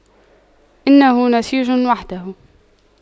إنه نسيج وحده